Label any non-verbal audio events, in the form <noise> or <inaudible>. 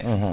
<hesitation> <hesitation>